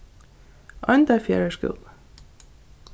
oyndarfjarðar skúli